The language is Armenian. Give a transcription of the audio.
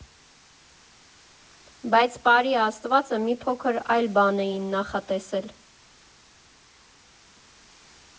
Բայց Պարի Աստվածը մի փոքր այլ բան էին նախատեսել։